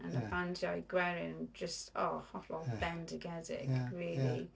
Yn y bandiau gwerin jyst, o, hollol bendigedig rili.